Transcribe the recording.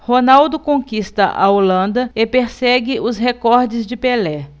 ronaldo conquista a holanda e persegue os recordes de pelé